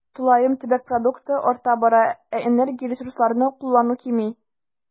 Тулаем төбәк продукты арта бара, ә энергия, ресурсларны куллану кими.